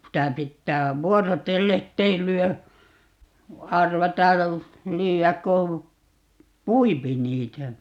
sitä pitää vuorotellen että ei lyö arvata lyödä kun pui niitä